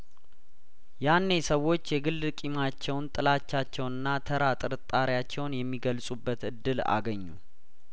ያኔ ሰዎች የግል ቂማቸውን ጥላቻቸውንና ተራ ጥርጣሬአቸውን የሚገልጹበት እድል አገኙ